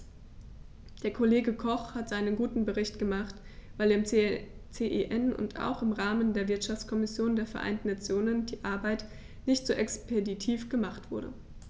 Der Kollege Koch hat seinen guten Bericht gemacht, weil im CEN und auch im Rahmen der Wirtschaftskommission der Vereinten Nationen die Arbeit nicht so expeditiv gemacht wurde.